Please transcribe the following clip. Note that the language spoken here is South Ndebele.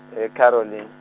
e- Carolina.